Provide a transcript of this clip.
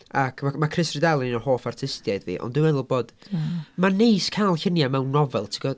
Ac- ma' ma' Chris Riddell yn un o'n hoff artistiaid fi. Ond dwi'n meddwl bod... do ...mae'n neis cael lluniau mewn nofel ti'n gwybod.